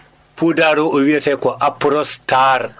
puudar oo o wiyetee ko Aprostar